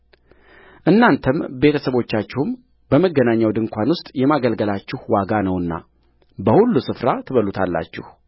እናንተም ቤተ ሰቦቻችሁም በመገናኛው ድንኳን ውስጥ የማገልገላችሁ ዋጋ ነውና በሁሉ ስፍራ ትበሉታላችሁ